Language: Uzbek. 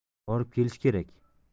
borib kelish kerak